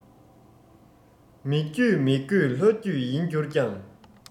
མི རྒྱུད མི དགོས ལྷ རྒྱུད ཡིན གྱུར ཀྱང